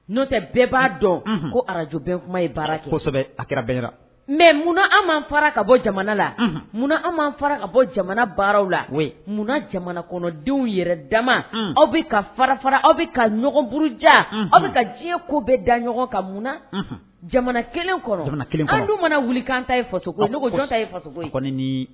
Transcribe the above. N'o tɛ bɛɛ b'a dɔn ko arajo bɛɛ kuma ye baarasɛbɛ akira mɛ munna anw'an fara ka bɔ jamana la munna anw fara ka bɔ jamana baaraw la munna jamana kɔnɔdenw yɛrɛ dama aw bɛ ka fara fara aw bɛ ka ɲɔgɔn buru ja aw bɛ ka diɲɛ ko bɛɛ da ɲɔgɔn ka munna jamana kelen kɔnɔ jamana kelen dumuni wuli kan ta faso ta